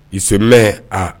Imɛ a